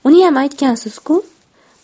uniyam aytgansiz ku